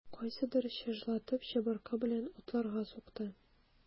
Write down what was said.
Кайсыдыр чыжлатып чыбыркы белән атларга сукты.